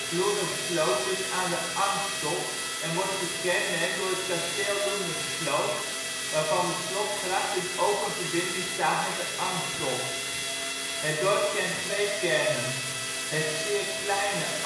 Loenersloot ligt aan de Angstel en wordt gekenmerkt door het Kasteel Loenersloot waarvan de slotgracht in open verbinding staat met de Angstel. Het dorp kent twee kernen, het zeer kleine